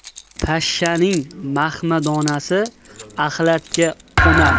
pashshaning mahmadanasi axlatga qo'nar